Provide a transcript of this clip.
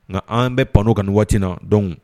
Nka an bɛ pan kan waati na dɔn